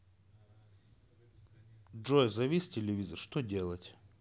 джой завис телевизор что делать